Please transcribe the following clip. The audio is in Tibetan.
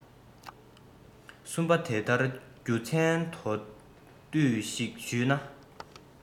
གསུམ པ དེ ལྟར རྒྱུ མཚན མདོར བསྡུས ཤིག ཞུས ན